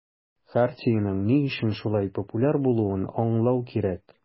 Хартиянең ни өчен шулай популяр булуын аңлау кирәк.